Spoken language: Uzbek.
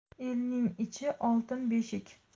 elning ichi oltin beshik